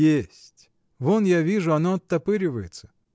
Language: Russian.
— Есть: вон, я вижу, оно оттопыривается!